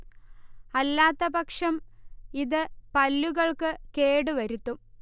അല്ലാത്ത പക്ഷം ഇത് പല്ലുകൾക്കു കേടു വരുത്തും